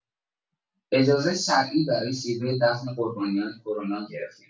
اجازه شرعی برای شیوه دفن قربانیان کرونا گرفتیم.